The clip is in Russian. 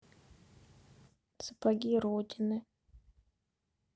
сапоги родины